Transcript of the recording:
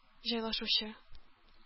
Җайлашучы